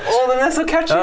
å den er så catchy.